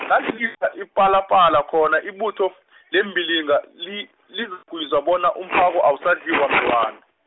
ngalilisa ipalapala khona ibutho, leembiliga li- lizakwizwa bona umphako, awusadliwa mntwana.